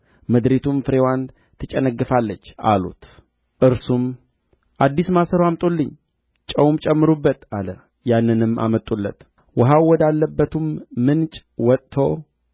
በኢያሪኮም ተቀምጦ ሳለ ወደ እርሱ ተመለሱ እርሱም አትሂዱ አላልኋችሁምን አላቸው የከተማይቱም ሰዎች ኤልሳዕን እነሆ ጌታችን እንደምታይ የዚች ከተማ ኑሮ መልካም ነው ውኃው ግን ክፉ ነው